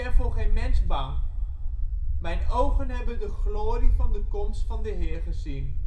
voor geen mens bang. Mijn ogen hebben de glorie van de komst van de Heer gezien